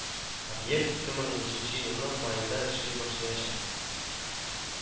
Объект икемең унөченче елның маенда эшли башлаячак